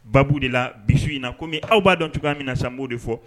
Babu de la bi su in na, ko min aw b'a dɔn cogoya min na sa , n b'o de fɔ